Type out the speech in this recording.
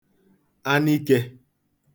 anikē